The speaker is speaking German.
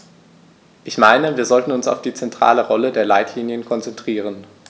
Ich meine, wir sollten uns auf die zentrale Rolle der Leitlinien konzentrieren.